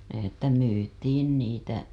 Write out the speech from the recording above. että myytiin niitä